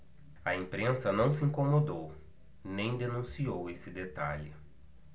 a imprensa não se incomodou nem denunciou esse detalhe